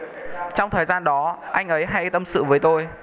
trong thời gian đó anh ấy hay tâm sự với tôi